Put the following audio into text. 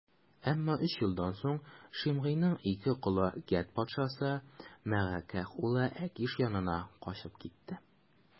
Әмма өч елдан соң Шимгыйның ике колы Гәт патшасы, Мәгакәһ углы Әкиш янына качып китте.